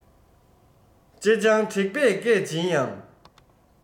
ཅེ སྤྱང དྲེགས པས སྐད འབྱིན ཡང